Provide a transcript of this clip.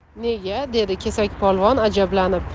nega dedi kesakpolvon ajablanib